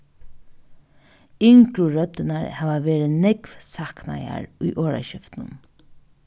yngru røddirnar hava verið nógv saknaðar í orðaskiftinum